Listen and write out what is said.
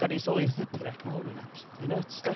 o'n i'n sylwi flipping heck ma' hwn yn absolutely nyts, de.